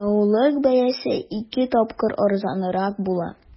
Ягулык бәясе ике тапкыр арзанрак була.